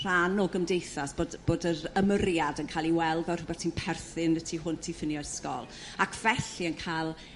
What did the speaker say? Rhan o gymdeithas bod bod yr ymyriad yn ca'l 'i weld fel r'wbeth sy'n perthyn y tu hwnt i ffinie ysgol ac felly yn ca'l